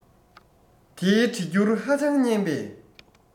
དེའི གྲེ འགྱུར ཧ ཅང སྙན པས